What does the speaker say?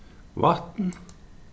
vatn